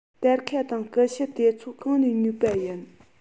སྟར ཁ དང ཀུ ཤུ དེ ཚོ གང ནས ཉོས པ ཡིན